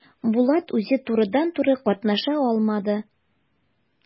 Булат үзе турыдан-туры катнаша алмады.